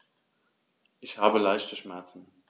Ich habe leichte Schmerzen.